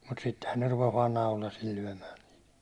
mutta sittenhän ne rupesi vain naulasilla lyömään